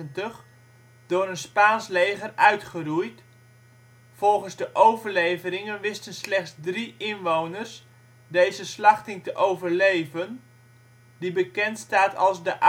door een Spaans Leger uitgeroeid, volgens de overleveringen wisten slechts drie inwoners deze slachting te overleven die bekend staat als " de